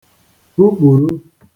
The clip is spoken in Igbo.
hukpùru